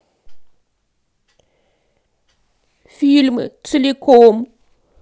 фильмы целиком